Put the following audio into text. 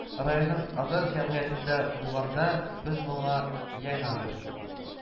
Районының азат җәмгыятендә булганда без моңа янә бер